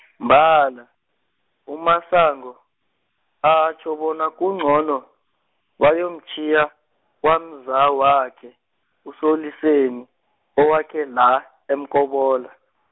mbala, uMasango, atjho bona kuncono, bayomtjhiya, kwamzawakhe uSoLiseni, owakhe la eMkobola.